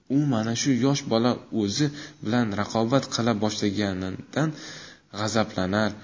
u mana shu yosh bola o'zi bilan raqobat qila boshlaganidan g'azablanar